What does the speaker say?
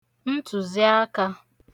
ntụ̀ziakā